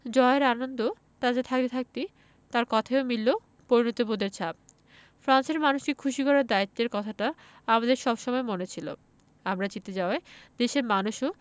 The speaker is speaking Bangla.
জয়ের আনন্দ তাজা থাকতে থাকতেই তাঁর কথায়ও মিলল পরিণতিবোধের ছাপ ফ্রান্সের মানুষকে খুশি করার দায়িত্বের কথাটা আমাদের সব সময়ই মনে ছিল আমরা জিতে যাওয়ায় দেশের মানুষও